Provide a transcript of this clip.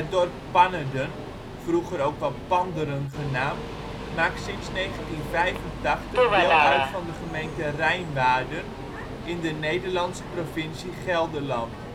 dorp Pannerden (vroeger ook wel Panderen genaamd) maakt sinds 1985 deel uit van de gemeente Rijnwaarden in de Nederlandse provincie Gelderland